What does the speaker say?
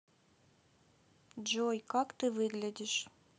джой как ты выглядишь